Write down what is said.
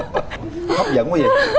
hấp dẫn quá vậy